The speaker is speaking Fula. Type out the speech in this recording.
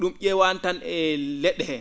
?um ?eewaani tan e le??e hee